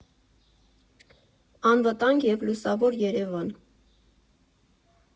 Անվտանգ և լուսավոր Երևան։